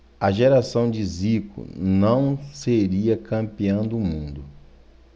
a geração de zico não seria campeã do mundo